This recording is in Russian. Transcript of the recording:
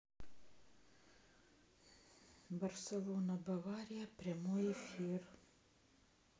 барселона бавария прямой эфир